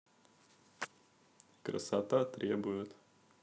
красота требует